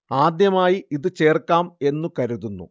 ആദ്യമായി ഇത് ചേർക്കാം എന്നു കരുതുന്നു